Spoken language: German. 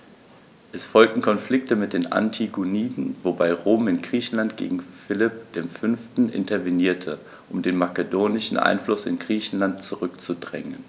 Es folgten Konflikte mit den Antigoniden, wobei Rom in Griechenland gegen Philipp V. intervenierte, um den makedonischen Einfluss in Griechenland zurückzudrängen.